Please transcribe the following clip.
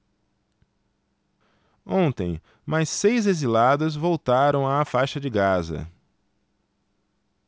ontem mais seis exilados voltaram à faixa de gaza